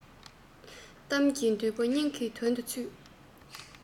གཏམ གྱི བདུད པོ སྙིང གི དོན དུ ཚུད